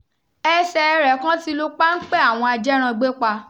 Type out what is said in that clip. Ẹsẹ̀ẹ rẹ̀ kan ti lu páḿpẹ́ àwọn ajérangbépa.